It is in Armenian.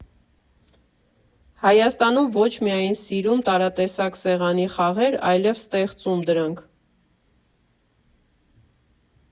Հայաստանում ոչ միայն սիրում տարատեսակ սեղանի խաղեր, այլև ստեղծում դրանք։